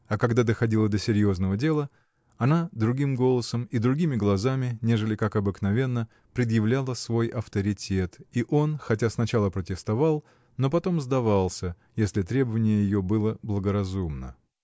А когда доходило до серьезного дела, она другим голосом и другими глазами, нежели как обыкновенно, предъявляла свой авторитет, — и он хотя сначала протестовал, но потом сдавался, если требование ее было благоразумно.